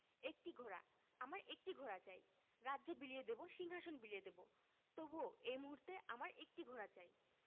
একটি ঘোড়া আমার একটি ঘোড়া চাই রাজ্য বিলিয়ে দেবো সিংহাশন বিলিয়ে দেবো তবু এই মুহূর্তে আমার একটি ঘোড়া চাই